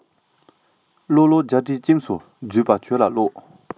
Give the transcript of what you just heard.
བཟློག བཟློག རྒྱ འདྲེ སྐྱེམས སུ བརྫུས པ ཁྱོད ལ བཟློག